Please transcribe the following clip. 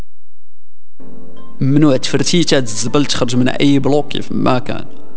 من وين الزول تخرج من اي بلوك فما كان